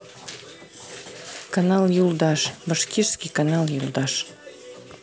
канал юлдаш башкирский канал юлдаш